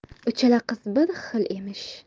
uchala qiz bir xil emish